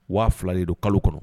Wa fila de don kalo kɔnɔ